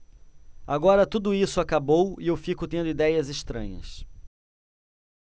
agora tudo isso acabou e eu fico tendo idéias estranhas